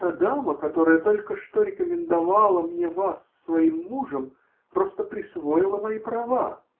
та дама, которая только что рекомендовала мне вас своим мужем, просто присвоила мои права.